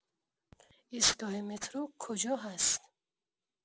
ایستگاه مترو، کجا هست؟